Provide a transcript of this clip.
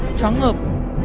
choáng ngợp